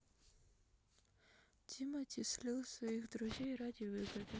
тимати слил своих друзей ради выгоды